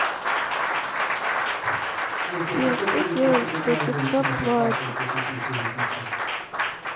сбер что делать когда сестра плачет